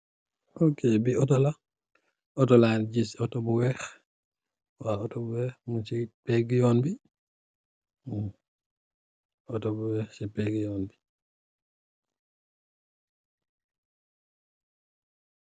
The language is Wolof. Otto la gis, Otto bu wèèx , muñci pegga yon bi .